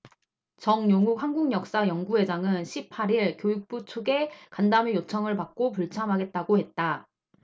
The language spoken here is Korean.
정용욱 한국역사연구회장은 십 팔 일 교육부 측의 간담회 요청을 받고 불참하겠다고 했다